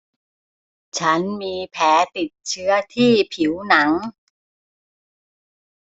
ฉันมีแผลติดเชื้อที่ผิวหนัง